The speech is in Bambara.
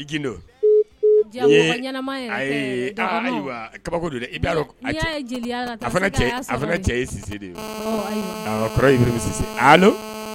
Ayiwa kaba cɛ de ye